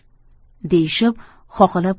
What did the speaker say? deyishib xoxolab